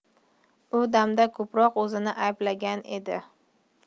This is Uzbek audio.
u damda ko'proq o'zini ayblagan edi